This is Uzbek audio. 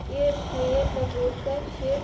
er qayerda bo'lsa